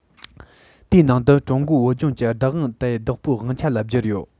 དེའི ནང དུ ཀྲུང གོས བོད ལྗོངས ཀྱི བདག དབང དེ བདག པོའི དབང ཆ ལ བསྒྱུར ཡོད